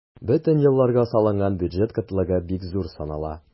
Бөтен елларга салынган бюджет кытлыгы бик зур санала.